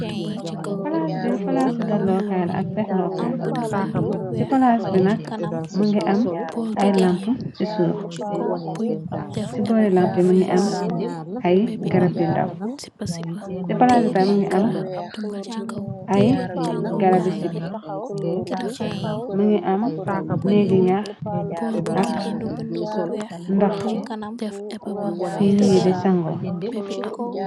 Palaas bi palaas ci da lookaay la ak feex lookaay cisbinak ni a ai plaas bi tay mi ngi am ay garabi sibi më ngi am neggi ñax ak ndox ti ñu ni di sangoo.